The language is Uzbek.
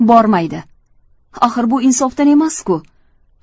bormaydi axir bu insofdan emas ku